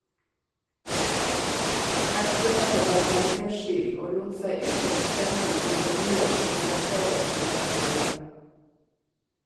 Ekteparet var mediesky og lot seg ytterst sjelden intervjue og fotografere i sitt vakre hjem.